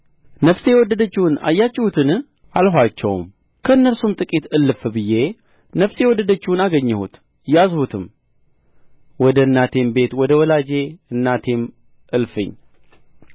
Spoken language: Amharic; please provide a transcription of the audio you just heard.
ነፍሴ የወደደችውን አያችሁትን አልኋቸውም ከእነርሱም ጥቂት እልፍ ብዬ ነፍሴ የወደደችውን አገኘሁት ያዝሁትም ወደ እናቴም ቤት ወደ ወላጅ እናቴም እልፍኝ